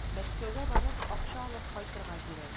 Мәскәүгә барып, акча алып кайтырга кирәк.